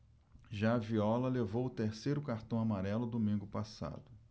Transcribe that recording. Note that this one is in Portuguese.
já viola levou o terceiro cartão amarelo domingo passado